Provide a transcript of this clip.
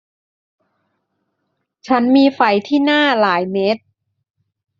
ฉันมีไฝที่หน้าหลายเม็ด